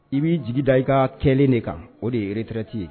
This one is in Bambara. I b'i jigi da i ka kɛ de kan o de yerereɛrɛti ye